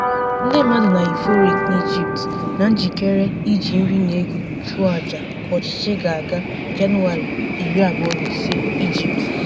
@HB_1_2011: ndị mmadụ na-euphoric na Ijipt, na njikere iji nri na ego chụọ àjà ka ọchịchị ga-aga #jan25 #Egypt.